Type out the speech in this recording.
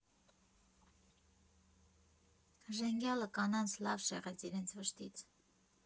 Ժենգյալը կանանց լավ շեղեց իրենց վշտից։